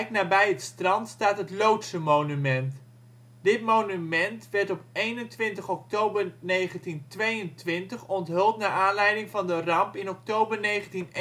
nabij het strand staat het loodsenmonument. Dit monument werd op 21 oktober 1922 onthuld n.a.v. de ramp in oktober 1921